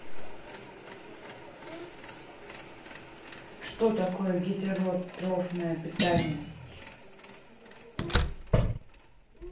что такое гетеротрофное питание